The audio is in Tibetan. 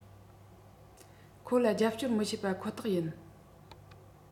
ཁོ ལ རྒྱབ སྐྱོར མི བྱེད པ ཁོ ཐག ཡིན